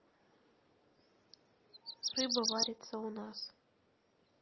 рыба варится у нас